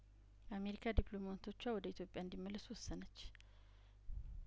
አሜሪካ ዲፕሎማቶቿ ወደ ኢትዮጵያ እንዲመለሱ ወሰነች